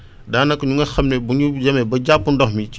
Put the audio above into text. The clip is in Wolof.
daanaka ñu nga xam ne bu ñu demee ba jàpp ndox mi